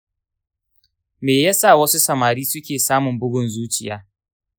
me ya sa wasu samari suke samun bugun zuciya?